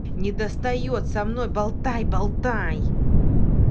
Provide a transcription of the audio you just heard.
недостает со мной болтай болтай